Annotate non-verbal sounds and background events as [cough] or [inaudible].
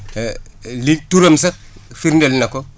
[hesitation] li turam sax firdeel na ko